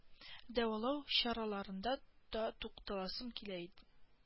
Дәвалау чараларында да тукталасым килә ид